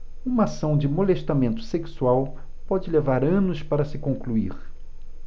uma ação de molestamento sexual pode levar anos para se concluir